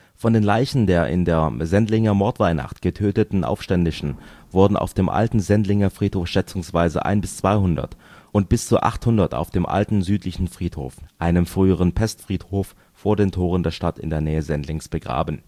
Von den Leichen der in der Sendlinger Mordweihnacht getöteten Aufständischen wurden auf dem alten Sendlinger Friedhof schätzungsweise ein - bis zweihundert und bis zu 800 auf dem alten südlichen Friedhof, einem früheren Pestfriedhof vor den Toren der Stadt in der Nähe Sendlings begraben